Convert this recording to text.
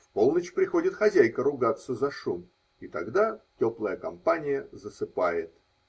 В полночь приходит хозяйка ругаться за шум, и тогда теплая компания засыпает.